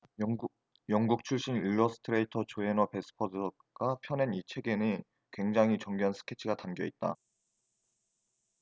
영국 출신 일러스트레이터 조해너 배스퍼드가 펴낸 이 책에는 굉장히 정교한 스케치가 담겨 있다